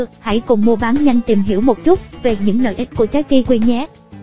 hãy cùng muabannhanh tìm hiểu một chút về những lợi ích của trái kiwi nhé